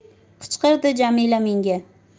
qichqirdi jamila menga